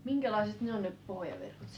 minkälaiset ne on ne pohjaverkot